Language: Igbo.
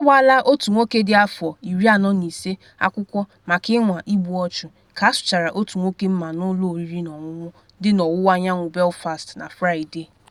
Agbaala otu nwoke dị afọ 45 akwụkwọ maka ịnwa igbu ọchụ, ka asụchara otu nwoke mma n’ụlọ oriri na ọṅụṅụ dị na ọwụwa anyanwụ Belfast na Fraịde.